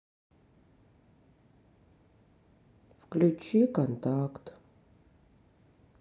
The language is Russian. включи контакт